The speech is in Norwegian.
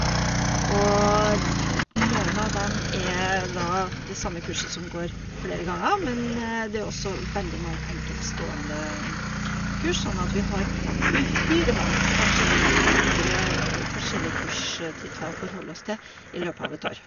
Og d noen av dem er da det samme kurset som går flere ganger, men det er også veldig mange enkeltstående kurs, sånn at vi har uhyre mange, kanskje to hundre, forskjellige kurstitler å forholde oss til i løpet av et år.